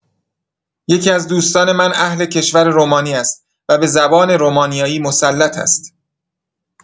یکی‌از دوستان من اهل کشور رومانی است و به زبان رومانیایی مسلط است.